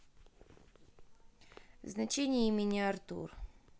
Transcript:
значение имени артур